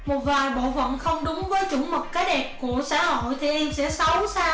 một vài bộ phận không đúng với cái đẹp chuẩn mực của xã hội thì em sẽ xấu sao